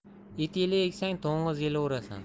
it yili eksang to'ng'iz yili o'rasan